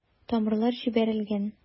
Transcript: Тамырлар җибәрелгән.